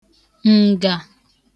ǹgà